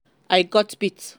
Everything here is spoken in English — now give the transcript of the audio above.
I got bit!'